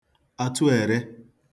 àtụère